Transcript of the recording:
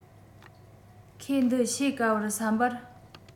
ཁོས འདི ཕྱེ དཀའ བར བསམ པར